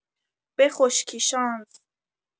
بخشکی شانس